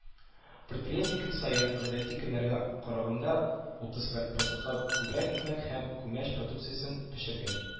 Предприятие көн саен, гадәти көннәргә караганда, утыз процентка күбрәк икмәк һәм күмәч продукциясен пешергән.